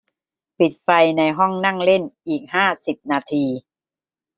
ปิดไฟในห้องนั่งเล่นอีกห้าสิบนาที